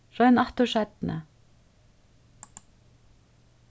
royn aftur seinni